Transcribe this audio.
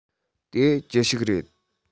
དེ ཅི ཞིག རེད